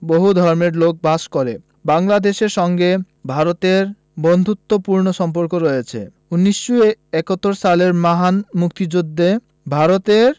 ধর্মের লোক বাস করে বাংলাদেশের সঙ্গে ভারতের বন্ধুত্তপূর্ণ সম্পর্ক রয়ছে ১৯৭১ সালের মহান মুক্তিযুদ্ধে ভারতের